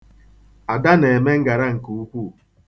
Ada na-eme ngara nke ukwuu.